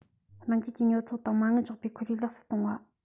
རང རྒྱལ གྱི ཉོ འཚོང དང མ དངུལ འཇོག པའི ཁོར ཡུག ལེགས སུ གཏོང བ